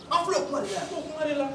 An filɛ ko la